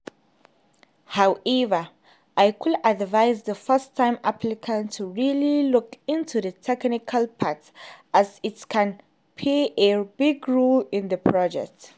However I would advise the first time applicants to really look into the technical part, as it can play a big role in the project.